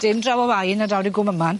Dim draw o Waun na drawr i Gwm Aman.